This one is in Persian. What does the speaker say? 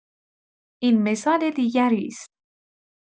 این مثال دیگری است.